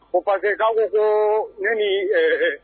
Ko parce que ka koo ne ni ee